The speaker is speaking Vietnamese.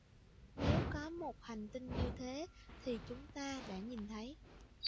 nếu có một hành tinh như thế thì chúng ta đã nhìn thấy